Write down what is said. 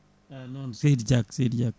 a noon seudi Diack seydi Diack